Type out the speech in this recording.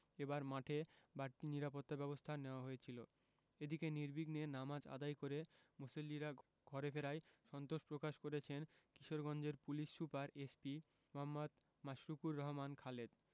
এবার মাঠে বাড়তি নিরাপত্তাব্যবস্থা নেওয়া হয়েছিল এদিকে নির্বিঘ্নে নামাজ আদায় করে মুসল্লিরা ঘরে ফেরায় সন্তোষ প্রকাশ করেছেন কিশোরগঞ্জের পুলিশ সুপার এসপি মো. মাশরুকুর রহমান খালেদ